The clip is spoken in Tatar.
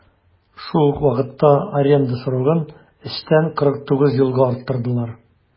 Шул ук вакытта аренда срогын 3 тән 49 елга арттырдылар.